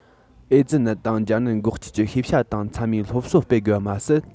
ཨེ ཙི ནད དང སྦྱར ནད འགོག བཅོས ཀྱི ཤེས བྱ དང མཚན མའི སློབ གསོ སྤེལ དགོས པར མ ཟད